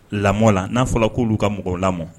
Lamɔ la n'a fɔra k'oluu ka mɔgɔw lamɔ